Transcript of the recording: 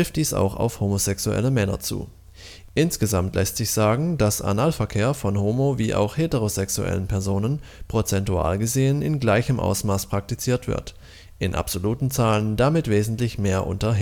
dies auch auf homosexuelle Männer zu. Insgesamt lässt sich sagen, dass Analverkehr von homo - wie auch heterosexuellen Personen prozentual gesehen im gleichen Ausmaß praktiziert wird, in absoluten Zahlen damit wesentlich mehr unter